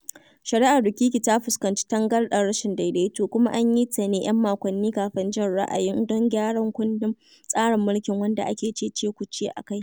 Shari'ar Rukiki ta fuskanci tangarɗar rashin daidaito kuma an yi ta ne 'yan makwanni kafin jin ra'ayi don gyaran kundin tsarin mulki wanda ake cece-kuce a kai.